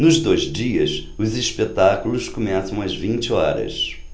nos dois dias os espetáculos começam às vinte horas